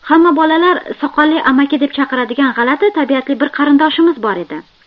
hamma bolalar soqolli amaki deb chaqiradigan g'alati tabiatli bir qarindoshimiz bor edi